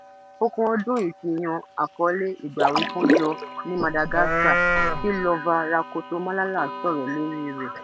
Foko ọdún yìí ti yan àkọ́lé "Ìgbàwífúnjọ ní Madagascar" tí Lova Rakotomalala sọ̀rọ̀ lórí rẹ̀.